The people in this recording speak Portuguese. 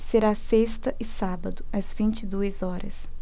será sexta e sábado às vinte e duas horas